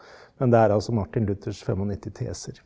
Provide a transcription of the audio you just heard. men det er altså Martin Luthers 95 teser.